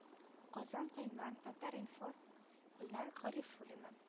Казан гыйнвар татар-информ гөлнар гарифуллина